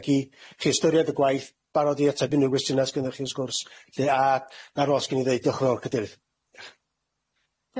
ag i chi ystyried y gwaith barod i ateb unryw westyne sy gynnoch chi wth sgwrs lle a ar ôl sgen i ddeud diolch yn fawr Cadeirydd.